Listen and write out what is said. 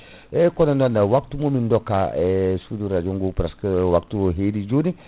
eyyi kono noon waptu momin dokka e suudu radio ngo presque waptu o heedi joni